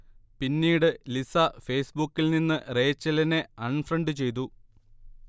പിന്നീട് ലിസ ഫേസ്ബുക്കിൽനിന്ന് റേച്ചലിനെ അൺഫ്രണ്ട് ചെയ്തു